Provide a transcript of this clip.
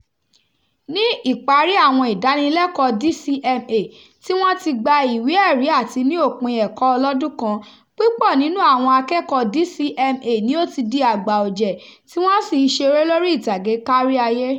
Ní ìparí àwọn ìdánilẹ́kọ̀ọ́ọ DCMA, tí wọ́n ti gba ìwé ẹ̀rí àti ní òpin ẹ̀kọ́ ọlọ́dún kan, púpọ̀ nínú àwọn akẹ́kọ̀ọ́ọ DCMA ni ó ti di àgbà ọ̀jẹ́ tí wọ́n sì í ṣeré lórí ìtàgé kárí ayé.